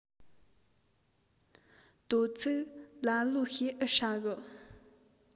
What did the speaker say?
དོ ཚིགས ལ ལོ ཤེད ཨེ ཧྲ གི